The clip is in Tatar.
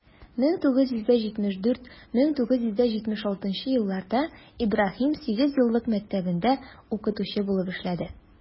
1974 - 1976 елларда ибраһим сигезьеллык мәктәбендә укытучы булып эшләдем.